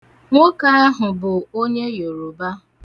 Nwoke ahụ bụ onye Yoroba.